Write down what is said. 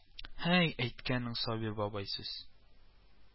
Һәй, әйттең, сабир бабай, сүз